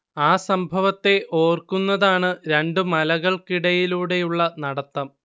ആ സംഭവത്തെ ഓർക്കുന്നതാണ് രണ്ടു മലകൾക്കിടയിലൂടെയുള്ള നടത്തം